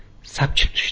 sapchib tushdi